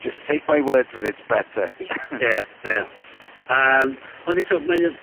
jyst take my word for it's better . Ie ie. Yym. Ond eto mae o...